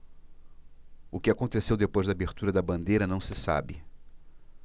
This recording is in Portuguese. o que aconteceu depois da abertura da bandeira não se sabe